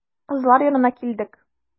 Кызлар янына килдек.